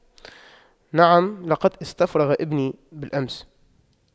نعم لقد استفرغ ابني بالأمس